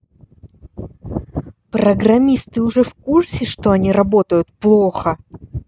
программисты уже вкурсе что они работают плохо